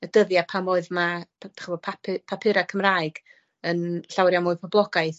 Y dyddia' pan oedd 'na pap- ch'mo' papu- papura' Cymraeg yn llawer iawn mwy poblogaidd.